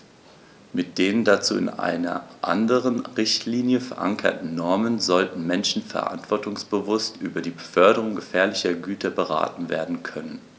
Mit den dazu in einer anderen Richtlinie, verankerten Normen sollten Menschen verantwortungsbewusst über die Beförderung gefährlicher Güter beraten werden können.